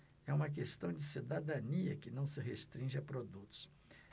é uma questão de cidadania que não se restringe a produtos